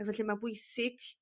A felly ma'n bwysig